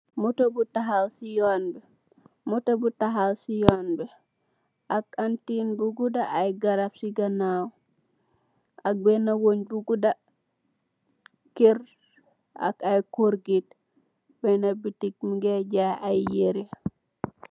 Motor bu tahaw si yonn bi